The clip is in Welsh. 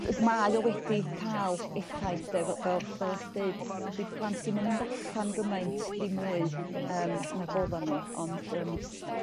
dyd- mae o wedi ca'l effaith efo fel fel o' chi'n deud, 'di plant ddim yn mynd allan gymaint ddim mwy yrm nag o'ddan nhw ond yrm